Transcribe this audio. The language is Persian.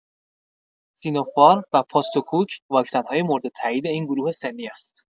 سینوفارم و پاستوکووک، واکسن‌های مورد تایید این گروه سنی است.